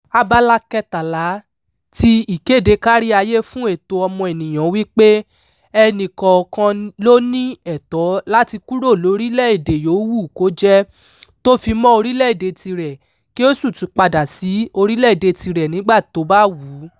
Abala 13 ti Ìkéde Káríayé Fún È̩Tó̩ O̩mo̩nìyàn wípé "E̩nì kọ̀ọ̀kan ló ní ẹ̀tọ́ láti kúrò lórìlẹ̀‐èdè yòówù kó jẹ́, tó fi mọ́ orílẹ̀‐èdè tirẹ̀, kí ó sì tún padà sí orílẹ̀‐èdè tirẹ̀ nígbà tó bá wù ú".